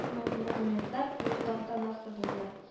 Момонументлар кую тантанасы булды